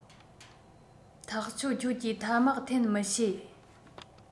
ཐག ཆོད ཁྱོད ཀྱིས ཐ མག འཐེན མི ཤེས